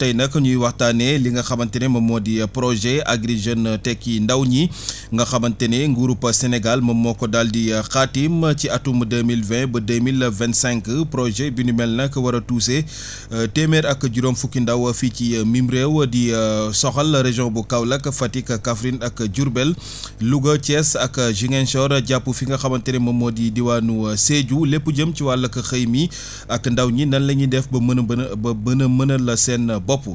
tey nag ñuy waxtaanee li nga xamante ne moom moo di projet Agri Jeunes Tekki Ndaw ñi nga xamante ne nguurub Sénégal moom moo ko daal di xaatim ci atum 2020 ba 2025 projet bi ni mel nag war a toucher téeméer ak juróom fukki ndaw fii ci mim réew di soxal région bu Kaolack Fatick ak Kaffrine ak Diourbel Louga Thiès ak Ziguinchor j)pp fi nga xamante ne moom moo di diwaanu Sédhiou lépp jëm ci wàll xëy mi ak ndaw ñi nan la ñuy def ba mën a bën a ba gën a mënal seen bopp